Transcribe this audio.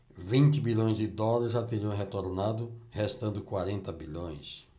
vinte bilhões de dólares já teriam retornado restando quarenta bilhões